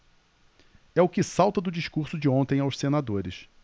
é o que salta do discurso de ontem aos senadores